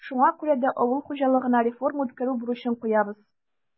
Шуңа күрә дә авыл хуҗалыгына реформа үткәрү бурычын куябыз.